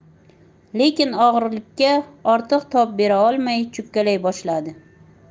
lekin og'irlikka ortiq tob bera olmay cho'kkalay boshladi